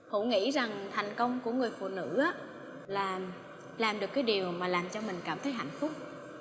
hữu nghĩ rằng thành công của người phụ nữ á là làm được cái điều mà làm cho mình cảm thấy hạnh phúc